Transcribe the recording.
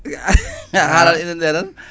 a halanno indede tan